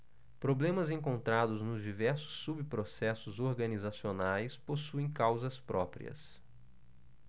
problemas encontrados nos diversos subprocessos organizacionais possuem causas próprias